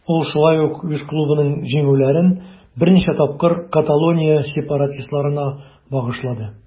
Ул шулай ук үз клубының җиңүләрен берничә тапкыр Каталония сепаратистларына багышлады.